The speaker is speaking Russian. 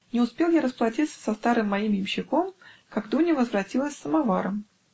Не успел я расплатиться со старым моим ямщиком, как Дуня возвратилась с самоваром.